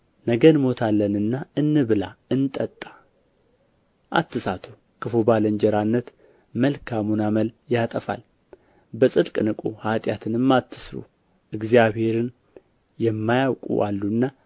ነገ እንሞታለንና እንብላና እንጠጣ አትሳቱ ክፉ ባልንጀርነት መልካሙን አመል ያጠፋል በጽድቅ ንቁ ኃጢአትንም አትሥሩ እግዚአብሔርን የማያውቁ አሉና